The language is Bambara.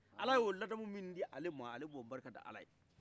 ala y'o ladamu min d'alema ale bo barikad' ala